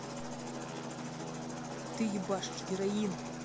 ты ебашишь героин